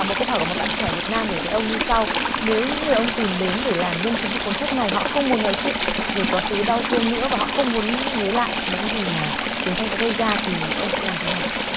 một câu hỏi của một bạn trẻ việt nam gửi tới ông như sau nếu những người ông tìm đến để làm nhân chứng cho cuốn sách này họ không muốn nói chuyện về quá khứ đau thương nữa và họ không muốn nhớ lại những gì mà chiến tranh đã gây ra thì ông sẽ làm thế nào